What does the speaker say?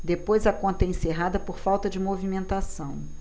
depois a conta é encerrada por falta de movimentação